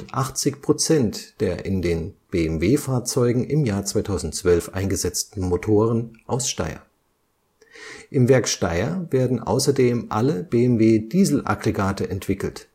80 % der in den BMW Fahrzeugen eingesetzten Motoren aus Steyr. Im Werk Steyr werden außerdem alle BMW Dieselaggregate entwickelt